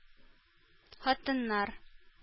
Хатыннар